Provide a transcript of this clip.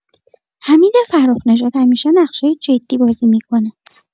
حمید فرخ‌نژاد همیشه نقشای جدی بازی می‌کنه.